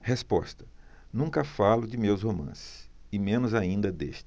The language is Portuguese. resposta nunca falo de meus romances e menos ainda deste